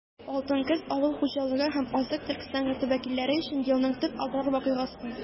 «алтын көз» - авыл хуҗалыгы һәм азык-төлек сәнәгате вәкилләре өчен елның төп аграр вакыйгасы.